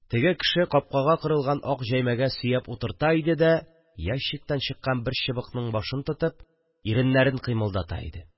Теге кеше капкага корылган ак җәймәгә сөяп утырта иде дә, ящиктан чыккан бер чыбыкның башын тотып, иреннәрен кыймылдата иде